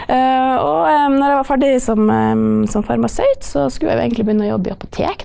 og når jeg var ferdig som som farmasøyt så skulle jeg jo egentlig begynne å jobbe i apotek.